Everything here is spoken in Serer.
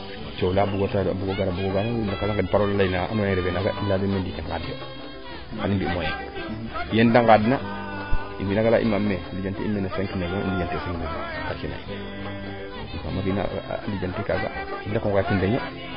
coow laata a bugo gar a bugo gar refee naaga im leya dene ndiiki ngaad yo i mbe moyen ndiiki yeede ngaad na im fi naaga leya imaam me lijante i meene a lijante kaaga im dako xoyit reunion